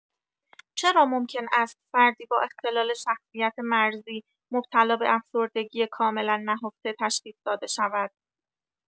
چرا ممکن است فردی با اختلال شخصیت مرزی مبتلا به افسردگی کاملا نهفته تشخیص داده شود؟